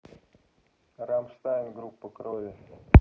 рамштайн группа крови